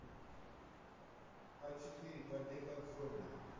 а четыре побег от зомби